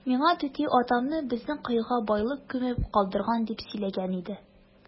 Миңа түти атамны безнең коега байлык күмеп калдырган дип сөйләгән иде.